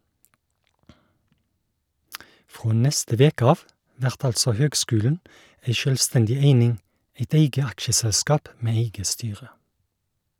Frå neste veke av vert altså høgskulen ei sjølvstendig eining, eit eige aksjeselskap med eige styre.